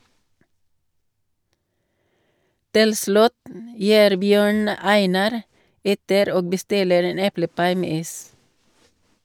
Til slutt gir Bjørn Einar etter og bestiller en eplepai med is.